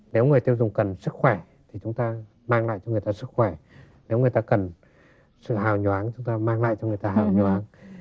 nếu người tiêu dùng cần sức khỏe thì chúng ta mang lại cho người ta sức khỏe nếu người ta cần sự hào nhoáng chúng ta mang lại cho người ta hào nhoáng